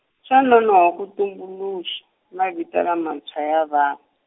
swa nonohwa ku tumbuluxa, mavito lamantshwa ya van-.